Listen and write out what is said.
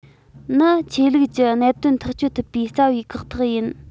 ནི ཆོས ལུགས ཀྱི གནད དོན ཐག གཅོད ཐུབ པའི རྩ བའི ཁག ཐེག ཡིན